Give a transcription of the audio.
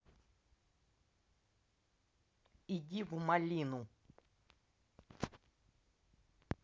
иди в малину